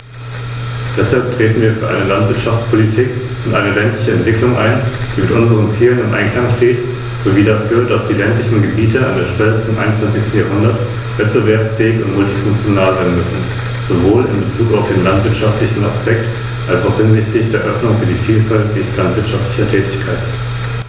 Zu meiner Freude besteht auch mit dem Rat Übereinstimmung über Mindestanforderungen für deren Prüfung, obgleich ich mit dem Ziel international gleichwertiger Befähigungsnachweise einheitliche verbindliche Normen und Regelungen bevorzugt hätte.